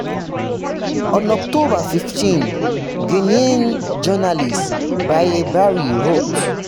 On October 15, Guinean journalist Bhiye Bary wrote: